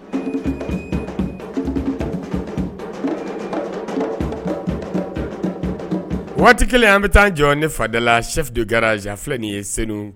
Waati kelen an bɛ taa jɔ ne fadala shɛdu kɛrafi ni ye sen